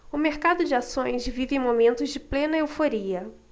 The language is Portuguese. o mercado de ações vive momentos de plena euforia